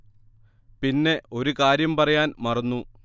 പിന്നെ ഒരു കാര്യം പറയാൻ മറന്നു